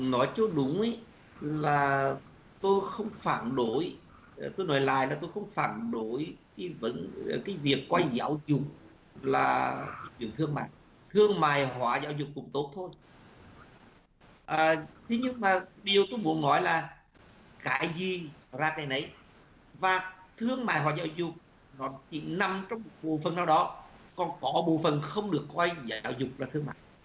nói cho đúng ấy là tôi không phản đối tôi nói lại là tôi không phản đối cái vấn cái việc coi giáo dục là thứ thương mai thương mại hóa giáo dục cũng tốt thôi à thế nhưng mà điều tôi muốn nói là cái gì ra cái nấy và thương mại hoặc giáo dục nó chỉ nằm trong một bộ phận nào đó còn có bộ phận không được coi giáo dục là thương mại